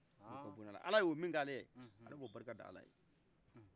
alay'o mink'aleye ale bo barikada alaye